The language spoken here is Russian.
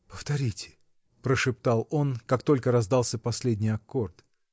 "Повторите", -- прошептал он, как только раздался последний аккорд.